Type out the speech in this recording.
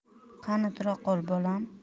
qani tura qol bolam